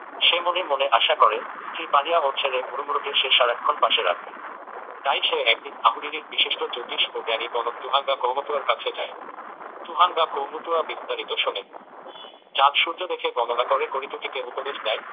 সে মনে মনে আশা করে স্ত্রী পানিয়া ও ছেলে মুড়মুড়কে সে সারাক্ষণ পাশে রাখবে তাই সে একদিন আহুরিরির বিশিষ্ট জ্যোতিষ ও জ্ঞানী গণক টুহাঙ্গা কৌমটুয়ার কাছে যায় টুহাঙ্গা কৌমুটুয়া বিস্তারিত শোনে চাঁদ সূর্য দেখে গণনা করে করিটুকিকে উপদেশ দেয়